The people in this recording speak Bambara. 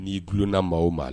N'i tulona maaw ma la